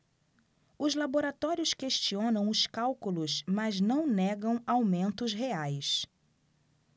os laboratórios questionam os cálculos mas não negam aumentos reais